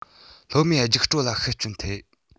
སློབ མའི རྒྱུགས སྤྲོད ལ ཤུགས རྐྱེན ཐེབས